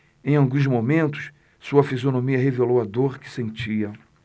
em alguns momentos sua fisionomia revelou a dor que sentia